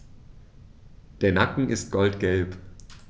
Der Nacken ist goldgelb.